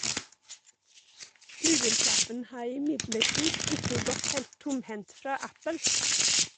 Google-sjefen har imidlertid ikke gått helt tomhendt fra Apple.